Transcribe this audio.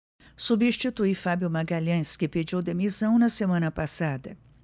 substitui fábio magalhães que pediu demissão na semana passada